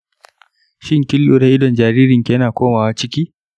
shin kin lura idon jaririnki yana komawa ciki?